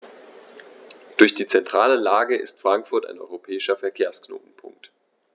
Durch die zentrale Lage ist Frankfurt ein europäischer Verkehrsknotenpunkt.